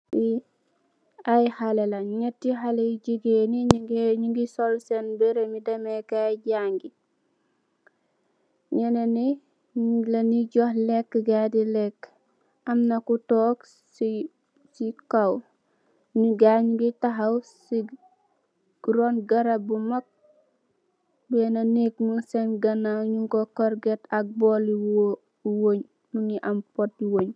Nyi aye khaleh len nyatti khalleh yu gigeen nyunge sul sen yerreh kai janguh nyenen nyeh nyunge joh gai lekuh nyunge leka amna ku toog si kaw munge tahaw si ruun garab bi sen ganaw nyung ku kurget